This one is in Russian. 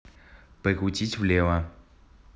прокрутить влево